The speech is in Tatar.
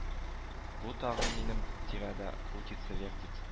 Бу тагын минем тирәдә крутится-вертится